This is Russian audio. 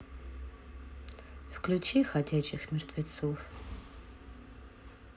включи ходячих мертвецов